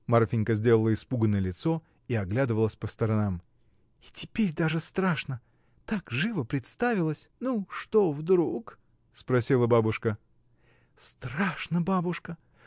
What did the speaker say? (Марфинька сделала испуганное лицо и оглядывалась по сторонам) — и теперь даже страшно — так живо представилось. — Ну, что вдруг? — спросила бабушка. — Страшно, бабушка.